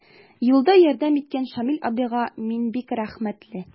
Юлда ярдәм иткән Шамил абыйга мин бик рәхмәтле.